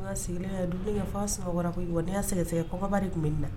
Nka an sigilen, a ye dumuni kɛ fɔ sunɔgɔla koyi, n'i y'a sɛgɛ kɔnkɔn ba de tun bɛ nin na.